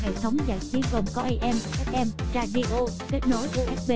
hệ thống giải trí gồm có am fm radio kết nối usb